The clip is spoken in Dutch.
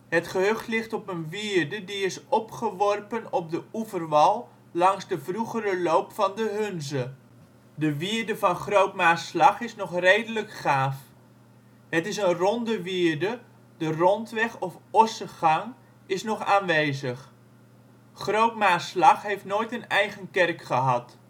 Het gehucht ligt op een wierde die is opgeworpen op de oeverwal langs de vroegere loop van de Hunze. De wierde van Groot Maarslag is nog redelijk gaaf. Het is een ronde wierde, de rondweg of ossengang is nog aanwezig. Groot Maarslag heeft nooit een eigen kerk gehad